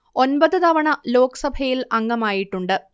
ഒൻപത് തവണ ലോക് സഭയിൽ അംഗമായിട്ടുണ്ട്